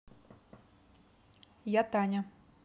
я таня